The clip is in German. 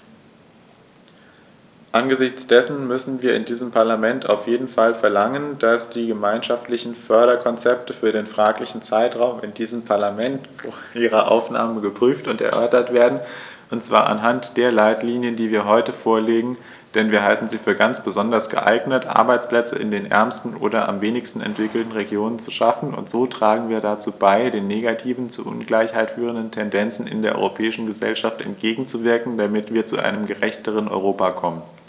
Angesichts dessen müssen wir in diesem Parlament auf jeden Fall verlangen, dass die gemeinschaftlichen Förderkonzepte für den fraglichen Zeitraum in diesem Parlament vor ihrer Annahme geprüft und erörtert werden, und zwar anhand der Leitlinien, die wir heute vorlegen, denn wir halten sie für ganz besonders geeignet, Arbeitsplätze in den ärmsten oder am wenigsten entwickelten Regionen zu schaffen, und so tragen wir dazu bei, den negativen, zur Ungleichheit führenden Tendenzen in der europäischen Gesellschaft entgegenzuwirken, damit wir zu einem gerechteren Europa kommen.